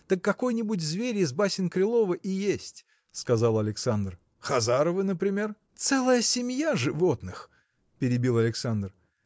так какой-нибудь зверь из басен Крылова и есть – сказал Александр. – Хозаровы, например? – Целая семья животных! – перебил Александр.